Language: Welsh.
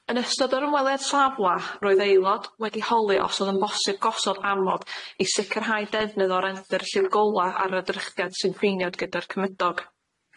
Yn ystod yr ymweliad safla roedd aelod wedi holi os oedd yn bosib gosod amod i sicrhau defnydd o renddyr lliw gola ar y drychiad sy'n ffeiniad gyda'r cymydog.